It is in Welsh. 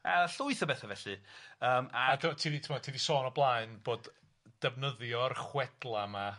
A llwyth o bethe felly yym ac... A dy- ti 'di ti'mod ti 'di sôn o blaen bod defnyddio'r chwedla 'ma